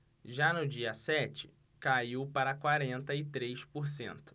já no dia sete caiu para quarenta e três por cento